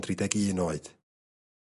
...tri deg un oed.